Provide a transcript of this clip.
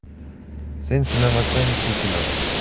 sen sinamasang u sinar